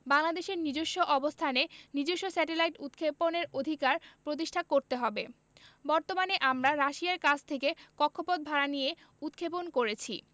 বাংলাদেশের নিজস্ব অবস্থানে নিজস্ব স্যাটেলাইট উৎক্ষেপণের অধিকার প্রতিষ্ঠা করতে হবে বর্তমানে আমরা রাশিয়ার কাছ থেকে কক্ষপথ ভাড়া নিয়ে উৎক্ষেপণ করেছি